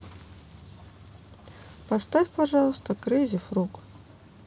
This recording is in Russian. поставь пожалуйста крейзи фрог